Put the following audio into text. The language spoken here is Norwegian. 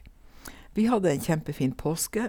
Vi hadde en kjempefin påske.